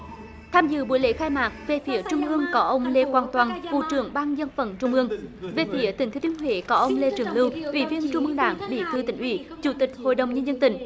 tham dự buổi lễ khai mạc về phía trung ương có ông lê quang toản vụ trưởng ban dân vận trung ương về phía tỉnh thừa thiên huế có ông lê trường lưu ủy viên trung ương đảng bí thư tỉnh ủy chủ tịch hội đồng nhân dân tỉnh